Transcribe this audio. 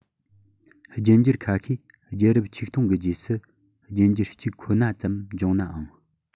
རྒྱུད འགྱུར ཁ ཤས རྒྱུད རབས ཆིག སྟོང གི རྗེས སུ རྒྱུད འགྱུར གཅིག ཁོ ན ཙམ འབྱུང ནའང